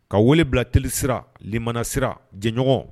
Ka wele bilaelilisira limanasira jɛɲɔgɔn